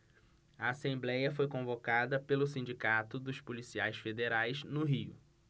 a assembléia foi convocada pelo sindicato dos policiais federais no rio